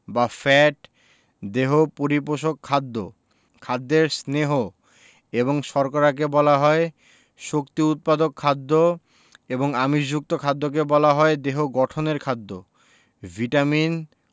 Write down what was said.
বা ফ্যাট দেহ পরিপোষক খাদ্য খাদ্যের স্নেহ এবং শর্করাকে বলা হয় শক্তি উৎপাদক খাদ্য এবং আমিষযুক্ত খাদ্যকে বলা হয় দেহ গঠনের খাদ্য ভিটামিন